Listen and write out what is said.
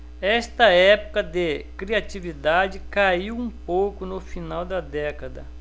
esta época de criatividade caiu um pouco no final da década